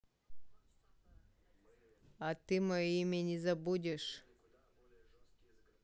а ты мое имя не забудешь